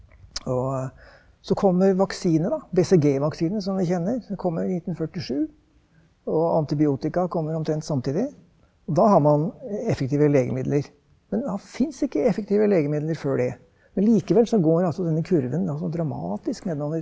og så kommer vaksine da, BCG-vaksiner som vi kjenner kommer 1947 og antibiotika kommer omtrent samtidig, og da har man effektive legemidler, men fins ikke effektive legemidler før det, men likevel så går altså denne kurven altså dramatisk nedover.